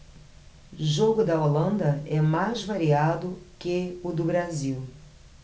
jogo da holanda é mais variado que o do brasil